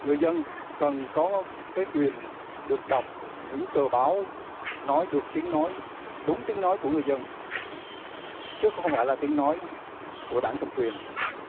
người dân cần có cái quyền được đọc những tờ báo nói được tiếng nói đúng tiếng nói của người dân chứ không phải là tiếng nói của đảng cầm quyền